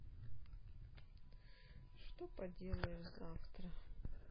что поделаешь завтра